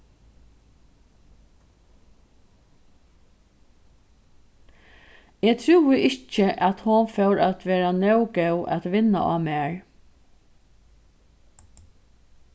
eg trúði ikki at hon fór at vera nóg góð at vinna á mær